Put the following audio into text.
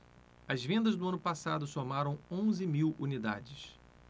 as vendas no ano passado somaram onze mil unidades